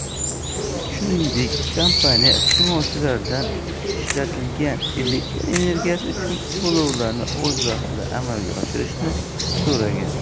shuningdek kompaniya iste'molchilardan ishlatilgan elektr energiyasi uchun to'lovlarni o'z vaqtida amalga oshirilishini so'ragan